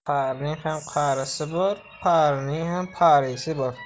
qarining ham qarisi bor parining ham parisi bor